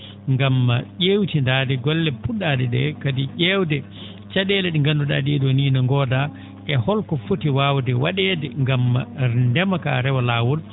ngam ?eewtindaade golle pu??aa?e ?e kadi ?eewde ca?eele ?e ngandu?aa ?ee?oo nii no ngoodaa e holko foti waawde wa?eede ngam ndema kaa rewa laawol